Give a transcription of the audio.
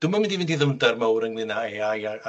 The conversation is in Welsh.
Dwi'm yn mynd i fynd i ddyfnder mowr ynglŷn â Ay I a a